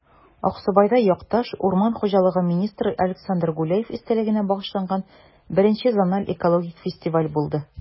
Аксубайда якташ, урман хуҗалыгы министры Александр Гуляев истәлегенә багышланган I зональ экологик фестиваль булды